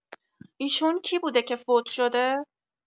ایشون کی بوده که فوت‌شده؟